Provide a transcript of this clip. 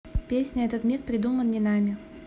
песня этот мир придуман не нами